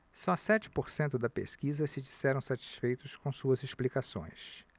só sete por cento na pesquisa se disseram satisfeitos com suas explicações